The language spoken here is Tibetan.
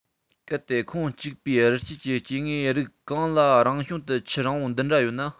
གལ ཏེ ཁོངས གཅིག པའི རི སྐྱེས ཀྱི སྐྱེ དངོས རིགས གང ལ རང བྱུང དུ མཆུ རིང པོ འདི འདྲ ཡོད ན